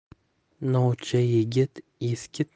novcha yigit eski